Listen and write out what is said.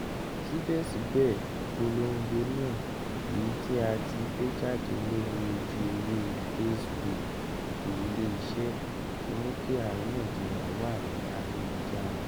Sibẹsibẹ, ipolongo naa, eyi ti a ti gbejade lori oju ewe Facebook ti ile-iṣẹ, ti mu ki ariyanjiyan wa ni ayelujara.